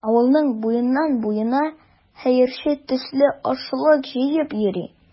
Авылның буеннан-буена хәерче төсле ашлык җыеп йөри.